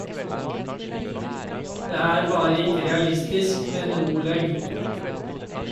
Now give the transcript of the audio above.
Det er bare ikke realistisk, mener Oleg.